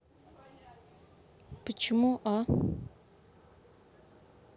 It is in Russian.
почему а